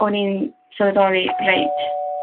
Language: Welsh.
o'n i'n sylweddoli reit